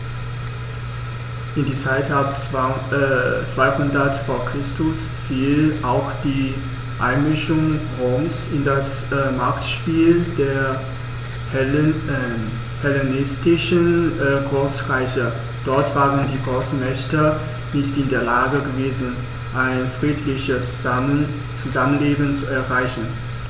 In die Zeit ab 200 v. Chr. fiel auch die Einmischung Roms in das Machtspiel der hellenistischen Großreiche: Dort waren die Großmächte nicht in der Lage gewesen, ein friedliches Zusammenleben zu erreichen.